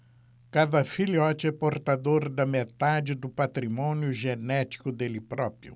cada filhote é portador da metade do patrimônio genético dele próprio